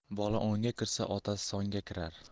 bola o'nga kirsa otasi songa kirar